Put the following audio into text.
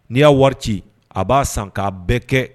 N'i y'a wari ci a b'a san k'a bɛɛ kɛ